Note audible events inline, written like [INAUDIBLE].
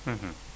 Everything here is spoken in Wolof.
[HESITATION] [HESITATION]